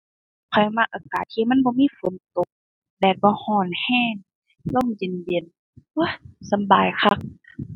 ข้อยมักอากาศที่มันบ่มีฝนตก แดดบ่ร้อนร้อน ลมเย็นเย็น สำบายคัก